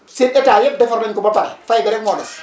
seen état yëpp defar nañu ko ba pare fay ga rek moo des